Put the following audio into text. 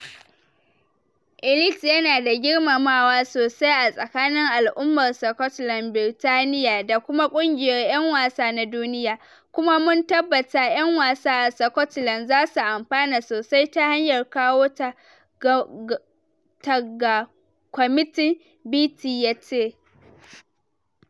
"Eilidh yana da girmamawa sosai a tsakanin al'ummar Scotland, Birtaniya da kuma kungiyar 'yan wasa na duniya, kuma mun tabbata yan wasa a Scotland za su amfana sosai ta hanyar kawo ta ga kwamitin," Beattie ya ce.